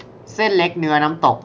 เส้นเล็กเนื้อน้ำตก